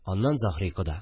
Аннан Заһри кода